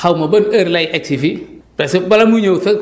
xaw ma ban heure lay egg si fii